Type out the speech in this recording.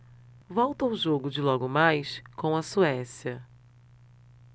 volto ao jogo de logo mais com a suécia